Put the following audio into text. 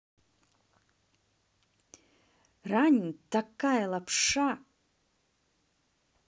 running такая лапша